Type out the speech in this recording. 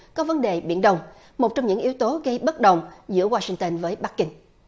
có vấn đề biển đông một trong những yếu tố gây bất đồng giữa goa sinh tơn với bắc kinh